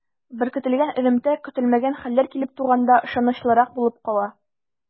Беркетелгән элемтә көтелмәгән хәлләр килеп туганда ышанычлырак булып кала.